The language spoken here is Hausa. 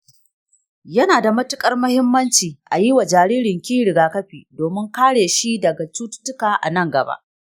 yana da matukar muhimmanci a yi wa jaririnki riga-kafi domin kare shi daga cututtuka a nan gaba